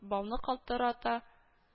Бауны калтырата